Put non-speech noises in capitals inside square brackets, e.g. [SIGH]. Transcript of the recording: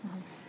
[HESITATION] [HESITATION]